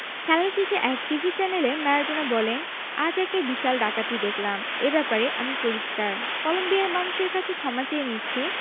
খেলা শেষে এক টিভি চ্যানেলে ম্যারাডোনা বলেন আজ একটা বিশাল ডাকাতি দেখলাম এ ব্যাপারে আমি পরিষ্কার কলম্বিয়ার মানুষের কাছে ক্ষমা চেয়ে নিচ্ছি